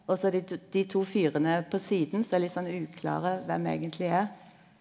og så er det dei to fyrane på sida som er litt sånn uklare kven eigentleg er.